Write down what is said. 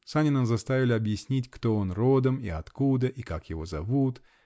Санина заставили объяснить, кто он родом, и откуда, и как его зовут